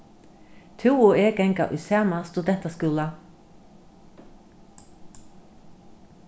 tú og eg ganga í sama studentaskúla